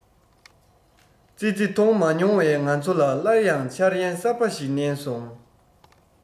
ཙི ཙི མཐོང མ མྱོང བའི ང ཚོ ལ སླར ཡང འཆར ཡན གསར པ ཞིག བསྣན སོང